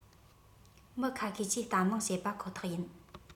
མི ཁ ཤས ཀྱིས གཏམ གླེང བྱེད པ ཁོ ཐག ཡིན